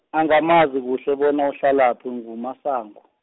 angamazi kuhle bona uhlalaphi nguMasango.